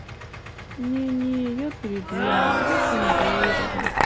не не я передумала очень дорого